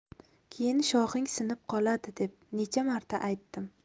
keyin shoxing sinib qoladi deb necha marta aytdim